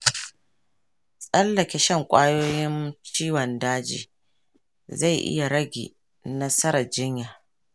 tsallake shan kwayoyin ciwon daji zai iya rage nasarar jinyar.